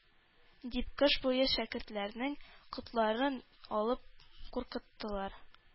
Дип кыш буе шәкертләрнең котларын алып куркыттылар.